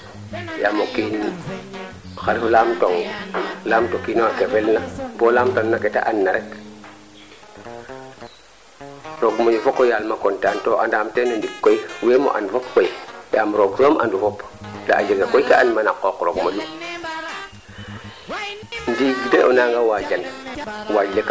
maam in ke ko jegoogu xaarit fa mbaal maan xarit fo mbaal pour a qelaax jeg xarit laombe weem waxtu jimmin keene yiin keene fop sereer ka jegoogun